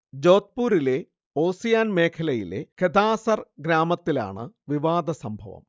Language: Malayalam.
ജോധ്പുരിലെ ഓസിയാൻ മേഖലയിലെ ഖെതാസർ ഗ്രാമത്തിലാണ് വിവാദസംഭവം